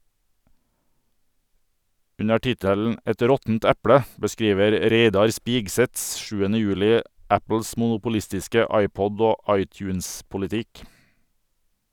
Under tittelen "Et råttent eple" beskriver Reidar Spigseth 7. juli Apples monopolistiske iPod- og iTunes-politikk.